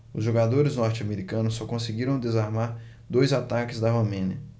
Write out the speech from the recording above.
os jogadores norte-americanos só conseguiram desarmar dois ataques da romênia